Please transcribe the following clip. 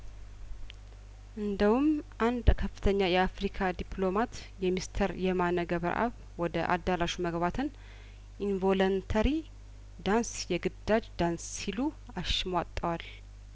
እንደውም አንድ ከፍተኛ የአፍሪካ ዲፕሎማት የሚስተር የማነገብረአብ ወደ አዳራሹ መግባትን ኢንቮለንተሪ ዳንስ የግዳጅ ዳንስ ሲሉ አሽሟጠዋል